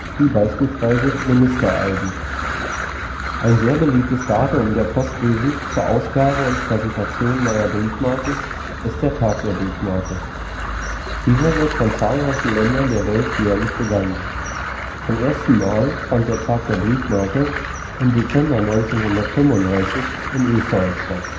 wie beispielsweise Ministeralben. Ein sehr beliebtes Datum der Postwesen zur Ausgabe und Präsentation neuer Briefmarken ist der Tag der Briefmarke. Dieser wird von zahlreichen Ländern der Welt jährlich begangen. Zum ersten Mal fand der Tag der Briefmarke im Dezember 1935 in Österreich statt